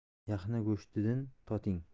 yaxna go'shtdin totining